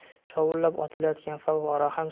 shovullab otilayotgan favvora ham